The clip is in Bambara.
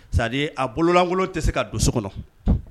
C'est à dire a bololankolon tɛ se ka don so kɔnɔ